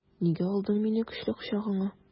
Нигә алдың мине көчле кочагыңа?